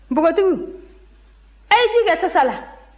npogotigiw a ye ji kɛ tasa la